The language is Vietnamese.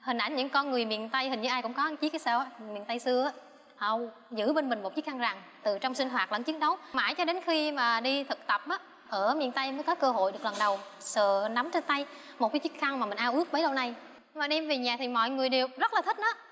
hình ảnh những con người miền tây hình như ai cũng có chiếc hay sao á miền tây xưa họ giữ bên mình một chiếc khăn rằng từ trong sinh hoạt lẫn chiến đấu mãi cho đến khi mà đi thực tập á ở miền tây mới có cơ hội được lần đầu sờ nắm trên tay một cái chiếc khăn mà mình ao ước bấy lâu nay mà đem về nhà thì mọi người đều rất là thích nó